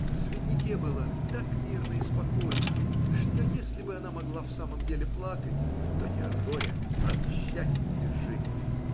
в цветнике было так мирно и спокойно, что если бы она могла в самом деле плакать, то не от горя, а от счастья жить.